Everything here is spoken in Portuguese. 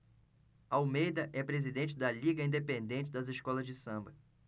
almeida é presidente da liga independente das escolas de samba